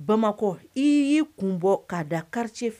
Bamakɔ i y'i kun bɔ ka'a da kariti fɛ